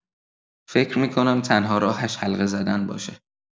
فکر می‌کنم تنها راهش حلقه زدن باشه.